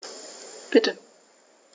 Bitte.